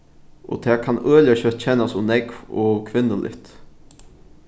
og tað kann øgiliga skjótt kennast ov nógv og ov kvinnuligt